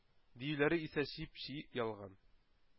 Диюләре исә чеп-чи ялган